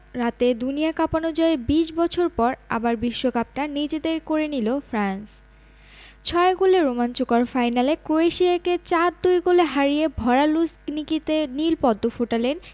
রাতে দুনিয়া কাঁপানো জয়ে ২০ বছর পর আবার বিশ্বকাপটা নিজেদের করে নিল ফ্রান্স ছয় গোলের রোমাঞ্চকর ফাইনালে ক্রোয়েশিয়াকে ৪ ২ গোলে হারিয়ে ভরা লুঝনিকিতে নীল পদ্ম ফোটালেন